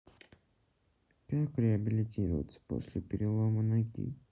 как реабилитироваться после перелома ноги